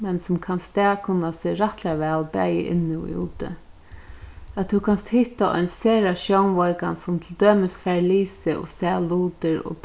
men sum kann staðkunna seg rættiliga væl bæði inni og úti at tú kanst hitta ein sera sjónveikan sum til dømis fær lisið og sæð lutir og